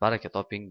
baraka toping